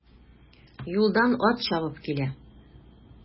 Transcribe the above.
Юлдан ат чабып килә.